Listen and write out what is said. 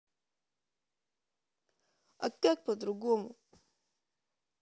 а как по другому